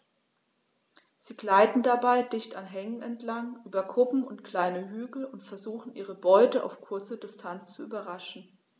Sie gleiten dabei dicht an Hängen entlang, über Kuppen und kleine Hügel und versuchen ihre Beute auf kurze Distanz zu überraschen.